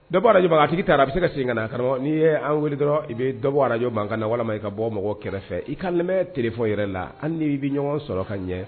Dɔwbɔ araj a tigi ta a bɛ se ka segin ka karamɔgɔ n'i ye an weele dɔrɔn i bɛ dɔbɔ araj mankan kan na walima i ka bɔ mɔgɔ kɛrɛfɛ i ka lamɛn tfɔ yɛrɛ la ani ni i bɛ ɲɔgɔn sɔrɔ ka ɲɛ